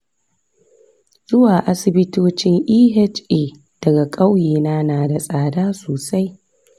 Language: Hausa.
zuwa asibitocin eha daga ƙauyena na da tsada sosai.